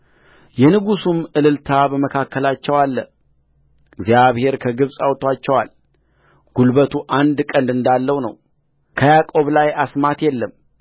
የንጉሥም እልልታ በመካከላቸው አለእግዚአብሔር ከግብፅ አውጥቶአቸዋልጕልበቱ አንድ ቀንድ እንዳለው ነውበያዕቆብ ላይ አስማት የለም